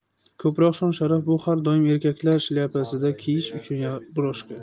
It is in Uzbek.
ko'proq shon sharaf bu har doim erkaklar shlyapasida kiyish uchun yaxshi broshka